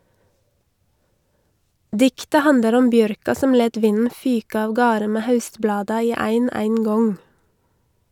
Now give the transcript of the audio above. Diktet handlar om bjørka som let vinden fyka avgarde med haustblada i ein eingong.